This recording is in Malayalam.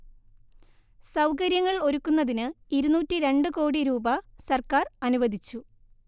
സൗകര്യങ്ങൾ ഒരുക്കുന്നതിന് ഇരുന്നൂറ്റി രണ്ടു കോടി രൂപ സർക്കാർ അനുവദിച്ചു